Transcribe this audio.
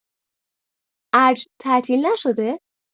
ارج تعطیل نشده؟